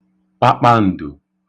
kpakpaǹdò